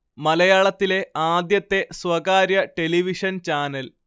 മലയാളത്തിലെ ആദ്യത്തെ സ്വകാര്യ ടെലിവിഷൻ ചാനൽ